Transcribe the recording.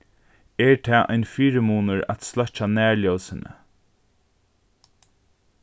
er tað ein fyrimunur at sløkkja nærljósini